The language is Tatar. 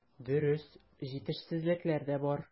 Дөрес, җитешсезлекләр дә бар.